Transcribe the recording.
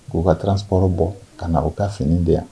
K'u ka transport bɔ ka na u ka fini di yan.